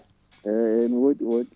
eyyi eyyi ne woodi ne woodi